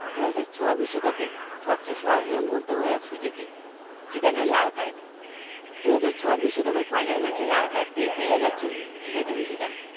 ২০০৬ বিশ্বকাপের সবচেয়ে স্মরণীয় মুহূর্ত হয়ে আছে এটি জিদানের লাল কার্ড ২০০৬ বিশ্বকাপের ফাইনাল ম্যাচে লাল কার্ড পেয়ে বেরিয়ে যাচ্ছেন জিনেদিন জিদান